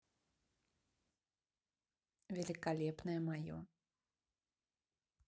великолепная мою